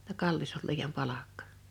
jotta kallis oli liian palkka